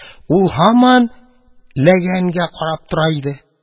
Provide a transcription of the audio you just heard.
Ул һаман ләгәнгә карап тора иде.